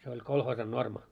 se oli kolhoosin normi